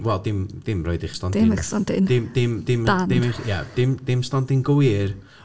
wel dim dim rhoid eich stondin... Dim eich stondin! ...Dim dim dim dim ia dim dim stondin go wir...